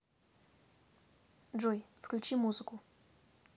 джой включи музыку